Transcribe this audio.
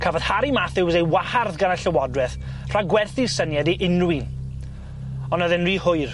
Cafodd Harry Mathews ei wahardd gan y llywodreth rhag gwerthu'r syniad i unryw un, on' o'dd e'n ry hwyr.